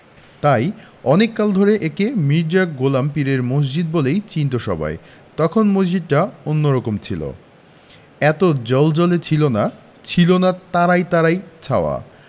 তাই অনেক কাল ধরে একে মির্জা গোলাম পীরের মসজিদ বলেই চিনতো সবাই তখন মসজিদটা অন্যরকম ছিল এত জ্বলজ্বলে ছিল না ছিলনা তারায় তারায় ছাওয়া